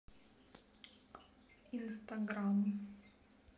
инстаграм